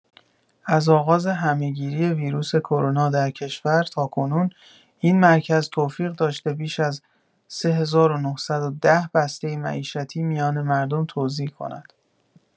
از آغاز همه‌گیری ویروس کرونا در کشور تاکنون این مرکز توفیق داشته بیش از ۳۹۱۰ بسته معیشتی میان مردم توزیع کند.